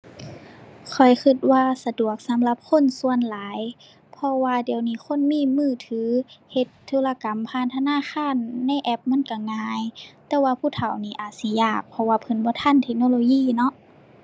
ข้อยคิดว่าสะดวกสำหรับคนส่วนหลาย เพราะว่าเดี๋ยวนี้คนมีมือถือเฮ็ดธุรกรรมผ่านธนาคารในแอปมันคิดง่าย แต่ว่าผู้เฒ่านี้อาจสิยาก เพราะว่าเพิ่นบ่ทันเทคโนโลยีเนาะ